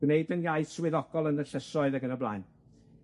gwneud yn iaith swyddogol yn y llysoedd ac yn y blaen.